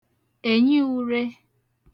ènyiūrē